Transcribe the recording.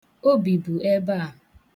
O bibu ebea.